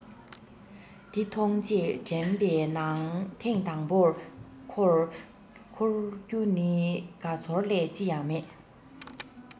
དེ མཐོང རྗེས དྲན པའི ནང ཐེངས དང པོར འཁོར རྒྱུ ནི དགའ ཚོར ལས ཅི ཡང མེད